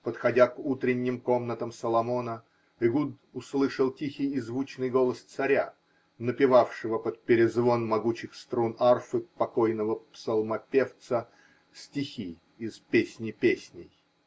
Подходя к утренним комнатам Соломона, Эгуд услышал тихий и звучный голос царя, напевавшего под перезвон могучих струн арфы покойного Псалмопевца стихи из "Песни Песней".